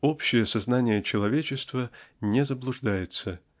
Общее сознание человечества не заблуждается